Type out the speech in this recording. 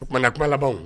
O kumaumana kumalaban